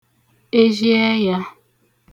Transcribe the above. ezhi ẹyā